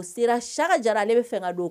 Sera sa jara ale bɛ fɛ ka don